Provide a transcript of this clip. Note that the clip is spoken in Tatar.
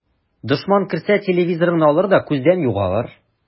Дошман керсә, телевизорыңны алыр да күздән югалыр.